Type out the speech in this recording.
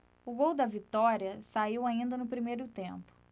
o gol da vitória saiu ainda no primeiro tempo